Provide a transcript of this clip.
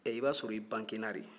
ɛ i b'a sɔrɔ i bangena de